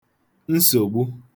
nsògbu